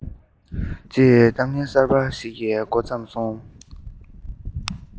ཅེས གཏམ གླེང གསར པ ཞིག གི མགོ བརྩམས སོང